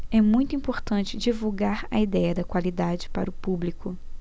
é muito importante divulgar a idéia da qualidade para o público